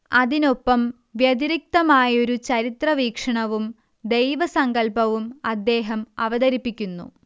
അതിനൊപ്പം വ്യതിരിക്തമായൊരു ചരിത്രവീക്ഷണവും ദൈവസങ്കല്പവും അദ്ദേഹം അവതരിപ്പിക്കുന്നു